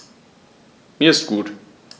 Mir ist gut.